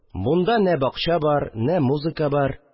Монда нә бакча бар, нә музыка бар